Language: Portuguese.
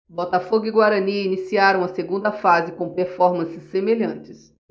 botafogo e guarani iniciaram a segunda fase com performances semelhantes